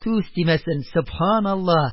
Күз тимәсен, сөбханалла!